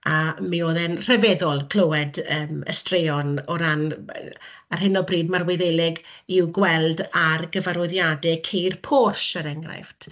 a mi oedd e'n rhyfeddol clywed yym y straeon o ran, ar hyn o bryd mae'r Wyddeleg i'w gweld ar gyfarwyddiadau ceir Porsche er enghraifft.